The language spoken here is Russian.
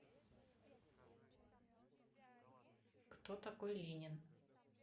кто такой ленин